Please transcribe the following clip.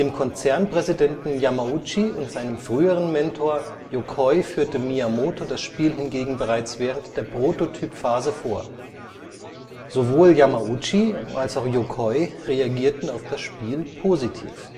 Konzernpräsidenten Yamauchi und seinem früheren Mentor Yokoi führte Miyamoto das Spiel hingegen bereits während der Prototyp-Phase vor. Sowohl Yamauchi als auch Yokoi reagierten auf das Spiel positiv